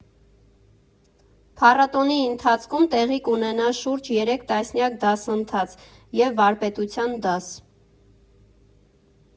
Փառատոնի ընթացքում տեղի կունենա շուրջ երեք տասնյակ դասընթաց և վարպետության դաս։